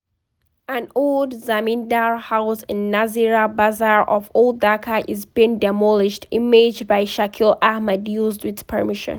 An old Zamindar house in Nazira Bazar of Old Dhaka is being demolished. Image by Shakil Ahmed. Used with permission.